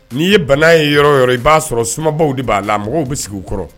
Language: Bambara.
N'i ye bana ye yɔrɔ yɔrɔ i b'a sɔrɔ sumabaw de b'a la mɔgɔw bɛ sigi u kɔrɔ